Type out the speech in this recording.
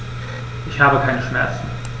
Ich habe keine Schmerzen.